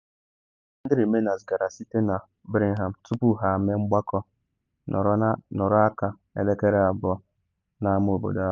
Otu aka ọzọ, ndị Remainers gara site na Birmingham tupu ha emee mgbakọ nọrọ aka elekere-abụọ n’ama obodo ahụ.